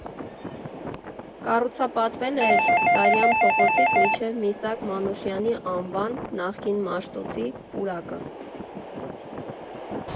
Կառուցապատվել էր Սարյան փողոցից մինչև Միսաք Մանուշյանի անվան (նախկին Մաշտոցի) պուրակը։